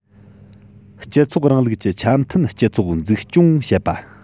སྤྱི ཚོགས རིང ལུགས ཀྱི འཆམ མཐུན སྤྱི ཚོགས འཛུགས སྐྱོང བྱེད པ